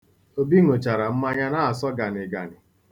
Obi ṅụchara mmanya na-aso ganịganị.